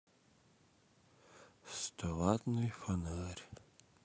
стоваттный фонарь